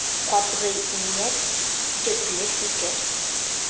Катгый ният, төпле фикер.